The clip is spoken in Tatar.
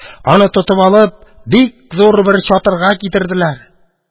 Аны тотып алып, бик зур бер чатырга китерделәр.